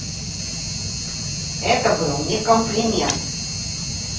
это был не комплимент